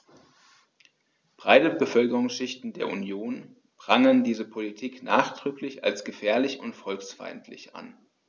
Breite Bevölkerungsschichten der Union prangern diese Politik nachdrücklich als gefährlich und volksfeindlich an.